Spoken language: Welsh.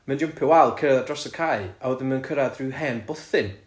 ma'n jympio wal cerdded dros y cae a wedyn ma'n cyrradd ryw hen bwthyn.